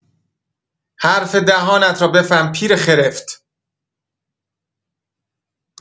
حرف دهانت را بفهم پیر خرفت.